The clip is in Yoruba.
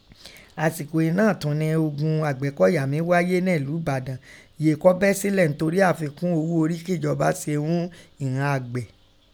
Asiko iin naa tun nẹ ogun Àgbẹ́kọ̀yà mí ghaye nẹ́lu ẹ̀badan yèé kọ́ bẹ silẹ ńtori afikun ogho orí kíjọba se un ìghọn àgbẹ̀.